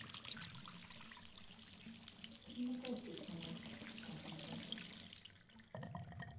перемотай песню на десять секунд назад